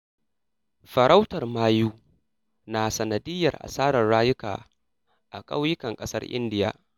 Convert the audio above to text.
Farautar mayu na sanadiyyar asarar rayuka a ƙauyukan ƙasar Indiya.